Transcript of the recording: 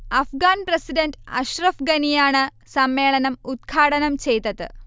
Afghan president Ashraf ഗനിയാണ് സമ്മേളനം ഉദ്ഘാടനം ചെയ്തത്